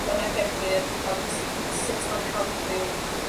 ...pa bynnag gefndir ond sut ma'n ca'l ryw